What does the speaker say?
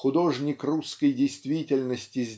художник русской действительности